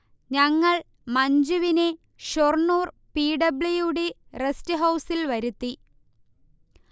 ഞങ്ങൾ മഞ്ജുവിനെ Shoranur P. W. D. റെസ്റ്റ്ഹൗസിൽ വരുത്തി